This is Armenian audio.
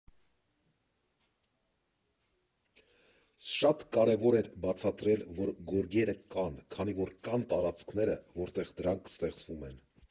Շատ կարևոր էր բացատրել, որ գորգերը կան, քանի որ կան տարածքները, որտեղ դրանք ստեղծվում են։